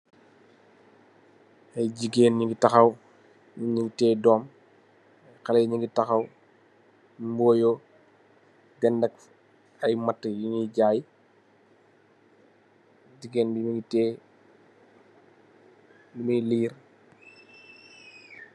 Aye jegain nuge tahaw nugu teyeh doom haleh yee nuge tahaw muyu denek aye maate yunuy jaye jegain muge teye muge rell.